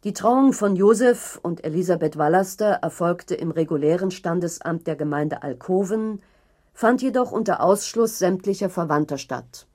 Trauung von Josef und Elisabeth Vallaster erfolgte im regulären Standesamt der Gemeinde Alkoven, fand jedoch unter Ausschluss sämtlicher Verwandter statt